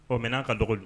Ɔ mɛ ka dɔgɔ